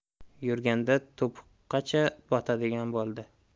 yurganda to'piqqacha botadigan bo'ldi